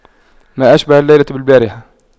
ما أشبه الليلة بالبارحة